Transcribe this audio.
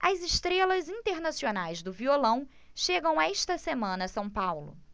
as estrelas internacionais do violão chegam esta semana a são paulo